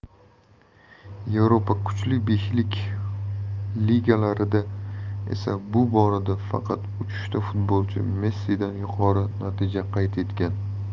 yevropa kuchli beshlik ligalarida esa bu borada faqat uchta futbolchi messidan yuqori natija qayd etgan